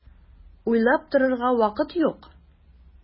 Уйлап торырга вакыт юк!